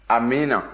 amiina